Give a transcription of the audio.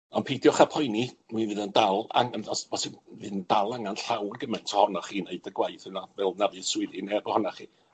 On' peidiwch â poeni, mi fydd yn dal an- os os by- fydd yn dal angen llawr gymaint ohonoch chi i wneud y gwaith yna, fel na fydd swyddi neb ohonach chi